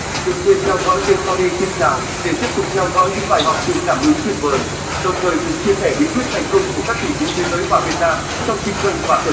đừng quên theo dõi kênh tony xin chào để tiếp tục theo dõi những bài học truyền cảm hứng tuyệt vời đồng thời cùng chia sẻ bí quyết thành công của các tỷ phú thế giới và việt nam trong kinh doanh và khởi nghiệp